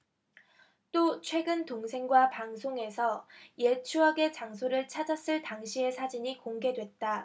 또 최근 동생과 방송에서 옛 추억의 장소를 찾았을 당시의 사진이 공개됐다